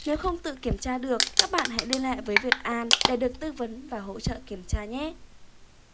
nếu không tự kiểm tra được các bạn hãy liên hệ với việt an để được tư vấn và hỗ trợ kiểm tra nhé